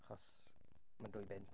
Achos ma'n dwy bunt.